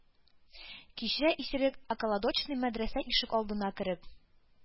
Кичә исерек околодочный мәдрәсә ишек алдына кереп,